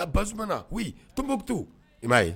Aa Bazumana; Oui; Tɔnbukutu;I m'a ye